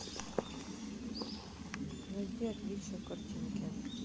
найди отличия в картинке